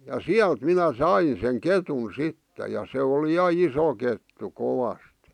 ja sieltä minä sain sen ketun sitten ja se oli ja iso kettu kovasti